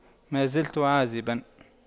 ما زلت عازبا